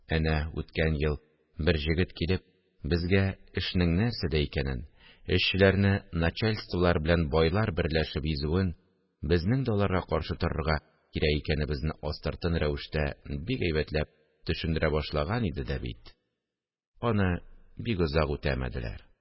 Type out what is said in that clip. Әнә үткән ел бер җегет килеп, безгә эшнең нәрсәдә икәнен, эшчеләрне начальстволар белән байлар берләшеп изүен, безнең дә аларга каршы торырга кирәк икәнебезне астыртын рәвештә бик әйбәтләп төшендерә башлаган иде дә бит, аны бик озак үтәмәделәр